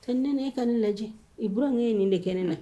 Ka n ne ka ne lajɛ i burankɛ e nin de kɛ ne na